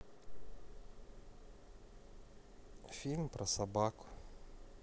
фильм про собаку